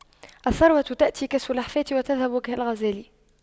الثروة تأتي كالسلحفاة وتذهب كالغزال